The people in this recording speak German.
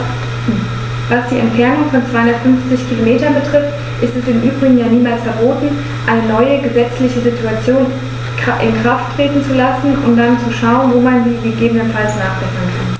Was die Entfernung von 250 Kilometern betrifft, ist es im Übrigen ja niemals verboten, eine neue gesetzliche Situation in Kraft treten zu lassen und dann zu schauen, wo man sie gegebenenfalls nachbessern kann.